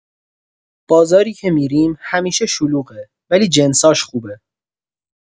بازاری که می‌ریم همیشه شلوغه، ولی جنساش خوبه.